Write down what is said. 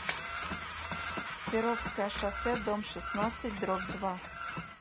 перовское шоссе дом шестнадцать дробь два